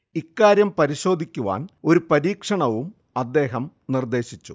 ഇക്കാര്യം പരിേശാധിക്കുവാൻ ഒരു പരീക്ഷണവും അദ്ദേഹം നിർദ്ദേശിച്ചു